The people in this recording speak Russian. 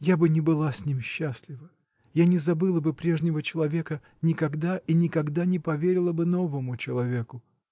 — Я бы не была с ним счастлива: я не забыла бы прежнего человека никогда и никогда не поверила бы новому человеку.